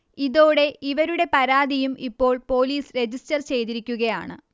ഇതോടെ ഇവരുടെ പരാതിയും ഇപ്പോൾ പോലീസ് രജിസ്റ്റർ ചെയ്തിരിക്കുകയാണ്